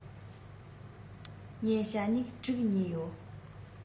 ངས ཞྭ སྨྱུག དྲུག ཉོས ཡོད